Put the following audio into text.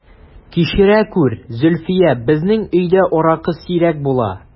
Кичерә күр, Зөлфия, безнең өйдә аракы сирәк була...